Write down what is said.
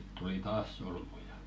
nyt tuli taas solmuja